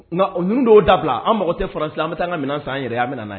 Nka oun dɔw dabila an mɔgɔ tɛ farasi an bɛ taa minɛn san an yɛrɛ' an bɛna na